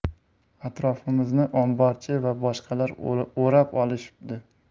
atrofimizni omborchi va boshqalar o'rab olishibdi